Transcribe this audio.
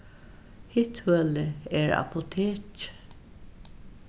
hitt hølið er apotekið